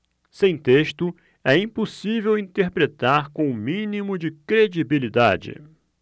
sem texto é impossível interpretar com o mínimo de credibilidade